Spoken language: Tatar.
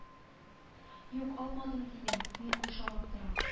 Юк алмадым дидем мин каушап аптырап